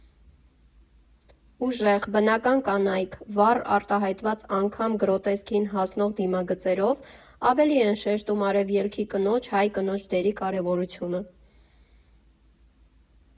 Ուժեղ, բնական կանայք՝ վառ արտահայտված՝ անգամ գրոտեսկին հասնող դիմագծերով ավելի են շեշտում արևելցի կնոջ, հայ կնոջ դերի կարևորությունը։